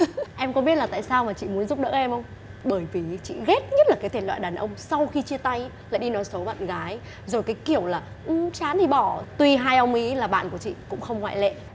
em có biết là tại sao mà chị muốn giúp đỡ em không bởi vì ý chị ghét nhất là cái thể loại đàn ông sau khi chia tay ý lại đi nói xấu bạn gái rồi cái kiểu là ư chán thì bỏ tuy hai ông ý là bạn của chị cũng không ngoại lệ